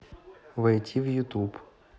войти в ютуб